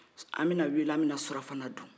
an bɛna weele an bɛna surafana dun